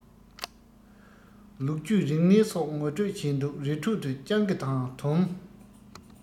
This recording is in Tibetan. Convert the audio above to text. ལོ རྒྱུས རིག གནས སོགས ངོ སྤྲོད བྱས འདུག རི ཁྲོད དུ སྤྱང ཀི དང དོམ